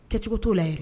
Kɛcogo t'o la